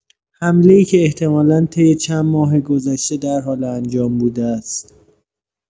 حمله‌ای که احتمالا طی چند ماه گذشته در حال انجام بوده است.